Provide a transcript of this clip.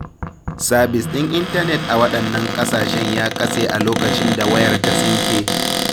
Sabis ɗin intanet a waɗannan ƙasashen ya katse a lokacin da wayar ta tsinke.